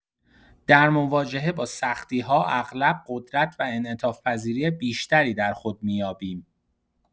در مواجهه با سختی‌ها، اغلب قدرت و انعطاف‌پذیری بیشتری در خود می‌یابیم.